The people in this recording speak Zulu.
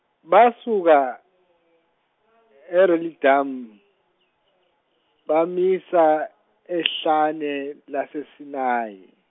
basuka eRefidimi, bamisa ehlane laseSinayi.